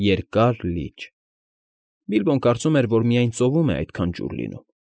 Երկար Լիճ… Բիլբոն կարծում էր, որ միայն ծովում է այդքան ջուր լինում։